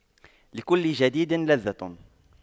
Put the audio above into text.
لكل جديد لذة